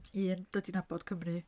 Un, dod i nabod Cymru.